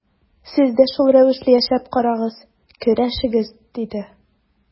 Сез дә шул рәвешле яшәп карагыз, көрәшегез, диде.